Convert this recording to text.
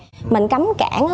mình cấm cản